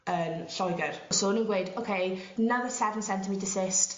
yn Lloeger so o'n nw'n gweud Ok 'nother seven centimeter cyst